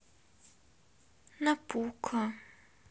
на пука